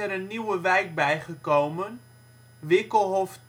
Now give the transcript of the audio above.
een nieuwe wijk bijgekomen; Wickelhof